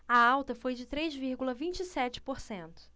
a alta foi de três vírgula vinte e sete por cento